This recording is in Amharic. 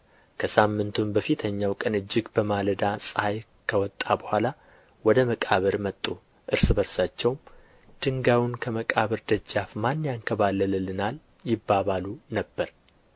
ከሳምንቱም በፊተኛው ቀን እጅግ በማለዳ ፀሐይ ከወጣ በኋላ ወደ መቃብር መጡ እርስ በርሳቸውም ድንጋዩን ከመቃብር ደጃፍ ማን ያንከባልልልናል ይባባሉ ነበር